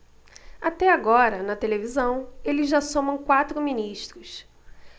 até agora na televisão eles já somam quatro ministros